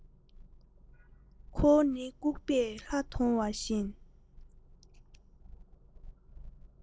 ཁོ བོ ནི ལྐུགས པས ལྷ མཐོང བ བཞིན